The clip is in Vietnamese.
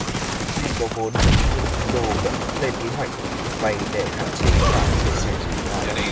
tuy có vốn nhưng kinh đô vẫn lên kế hoạch vay để hạn chế và chia sẻ rủi ro